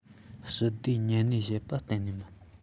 ཞི བདེ མཉམ གནས བྱེད པ གཏན ནས མིན